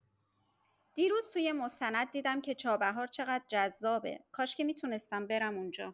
دیروز توی یه مستند دیدم که چابهار چقدر جذابه، کاشکی می‌تونستم برم اونجا.